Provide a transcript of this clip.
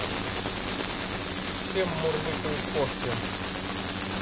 чем мурлыкают кошки